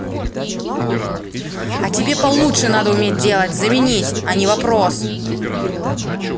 а тебе получше надо уметь делать заменить а не вопрос